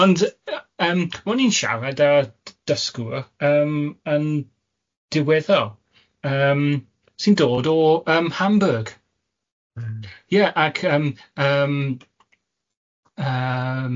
Ond yy yym o'n i'n siarad â dysgwr yym yn diwedar yym sy'n dod o yym Hamburg ie ac yym yym yym